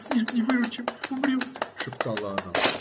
- Нет, не выручим, умрет, - шептала она.